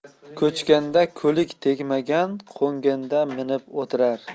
ko'chganda ko'lik tegmagan qo'nganda minib o'tirar